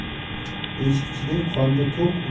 eshikchining qorni to'q